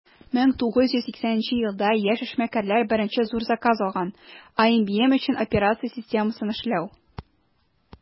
1980 елда яшь эшмәкәрләр беренче зур заказ алган - ibm өчен операция системасын эшләү.